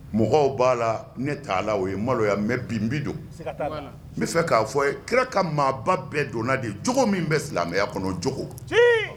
Mɔgɔw b'a la ne t'a la o ye maloya mais bi n bɛ don. Siga t'a la. n bɛ fɛ k'a fɔ a ye kira ka maaba bɛɛ donna de cogo min bɛ silamɛya kɔnɔ cogo, cogo. Tiɲɛ !